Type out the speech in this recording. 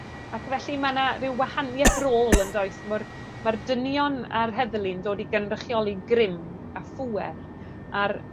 Ac felly ma' 'na ryw wahanieth rôl yndoes mo'r ma'r dynion a'r heddlu'n dod i gynrychioli grym a phŵer a'r